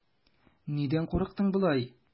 Нидән курыктың болай?